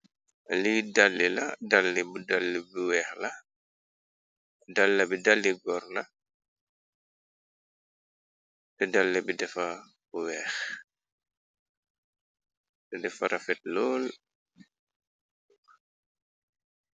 Li dalli la dalli bu dalli bu weex la dalla bi dalli goorna te dalli bi defa bu weex te defa rafet lool.